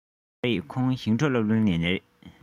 མ རེད ཁོང ཞིང འབྲོག སློབ གླིང ནས རེད